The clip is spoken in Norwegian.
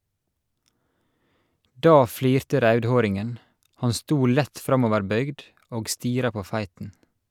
Da flirte raudhåringen ; han sto lett framoverbøygd og stira på feiten.